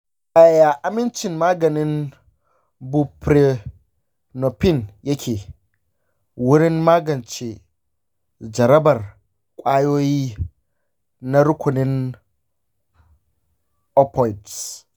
yaya amincin maganin buprenorphine yake wurin magance jarabar ƙwayoyi na rukunin opioids?